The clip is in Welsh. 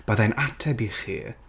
Bydda i'n ateb i chi...